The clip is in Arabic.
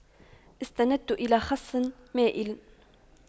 استندت إلى خصٍ مائلٍ